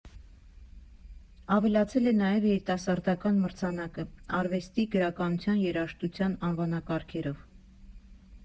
Ավելացել է նաև երիտասարդական մրցանակը՝ արվեստի, գրականության, երաժշտության անվանակարգերով։